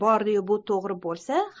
bordi yu bu to'g'ri bo'lsa